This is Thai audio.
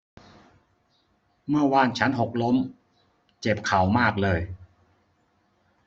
เมื่อวานฉันหกล้มเจ็บเข่ามากเลย